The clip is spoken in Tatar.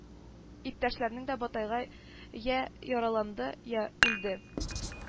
Иптәшләрнең дә байтагы йә яраланды, йә үлде